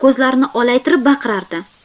ko'zlarini olaytirib baqirardi